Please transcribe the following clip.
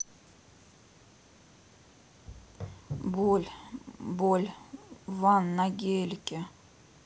боль боль ван на гелике